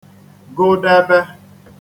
gụdēbē